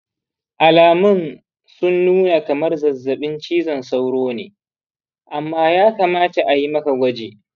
alamun sun nuna kamar zazzabin cizon sauro ne, amma ya kamata a yi maka gwaji.